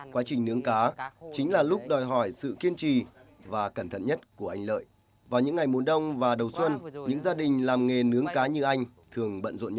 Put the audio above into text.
quá trình nướng cá chính là lúc đòi hỏi sự kiên trì và cẩn thận nhất của anh lợi vào những ngày mùa đông và đầu xuân những gia đình làm nghề nướng cá như anh thường bận rộn